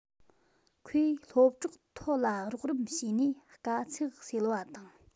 ཁོས སློབ གྲོགས ཐའོ ལ རོགས རམ བྱས ནས དཀའ ཚེགས སེལ བ དང